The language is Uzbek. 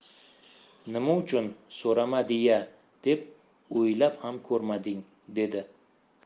nima uchun so'ramadiya deb o'ylab ham ko'rmading dedi